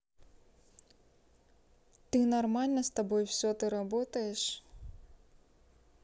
ты нормально с тобой все ты работаешь